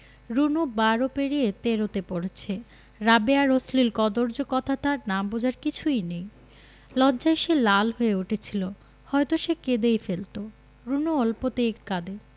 রুনু বারো পেরিয়ে তেরোতে পড়ছে রাবেয়ার অশ্লীল কদৰ্য কথা তার না বুঝার কিছুই নেই লজ্জায় সে লাল হয়ে উঠেছিলো হয়তো সে কেঁদেই ফেলতো রুনু অল্পতেই কাঁদে